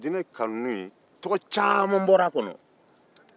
diinɛ kanunen tɔgɔ caman bɔra a kɔnɔ